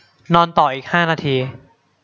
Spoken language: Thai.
นอนต่ออีกห้านาที